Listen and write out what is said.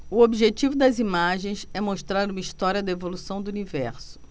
o objetivo das imagens é mostrar uma história da evolução do universo